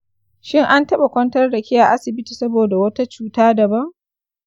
shin an taɓa kwantar da ke a asibiti saboda wata cuta daban?